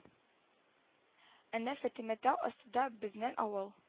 Әнә фатыйма-тау астында безнең авыл